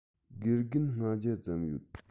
དགེ རྒན ༥༠༠ ཙམ ཡོད